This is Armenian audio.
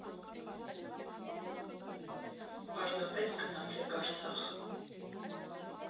Պարզապես գնացեք Արցախ։